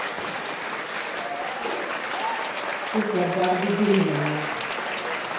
кукла барби беременна